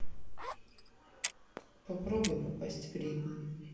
попробуй попасть в ритм